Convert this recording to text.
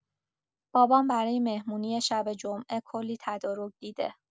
بابام برای مهمونی شب جمعه کلی تدارک دیده.